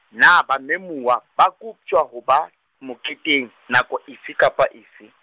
na ba memuwa ba koptjwa ho ba moketeng nako efe kapa efe?